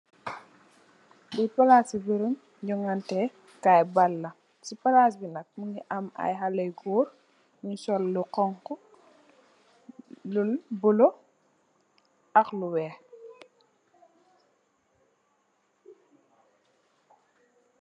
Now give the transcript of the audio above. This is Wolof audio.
Li palasi barabi jongateh Kai bal la, si palas bi nak mugii am ay xalèh gór yu sol lu xonxu lu bula ak lu wèèx.